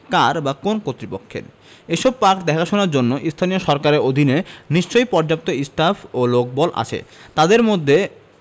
কার বা কোন্ কর্তৃপক্ষের এসব পার্ক দেখাশোনার জন্য স্থানীয় সরকারের অধীনে নিশ্চয়ই পর্যাপ্ত স্টাফ ও লোকবল আছে তাদের মধ্যে